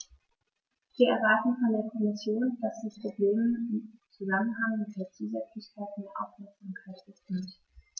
Wir erwarten von der Kommission, dass sie Problemen im Zusammenhang mit der Zusätzlichkeit mehr Aufmerksamkeit widmet.